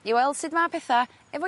i weld sut ma petha efo...